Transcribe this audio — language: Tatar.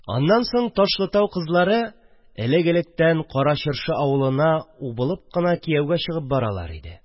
Аннан соң, Ташлытау кызлары элек-электән Кара Чыршы авылына убылып кына кияүгә чыгып баралар иде